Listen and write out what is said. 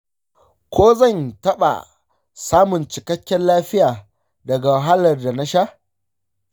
ko zan taɓa samun cikakken lafiya daga wahalar da na sha?